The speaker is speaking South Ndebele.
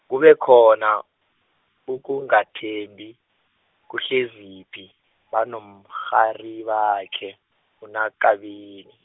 kube khona, ukungathembi, kuHleziphi, banomrharibakhe uNaKabini.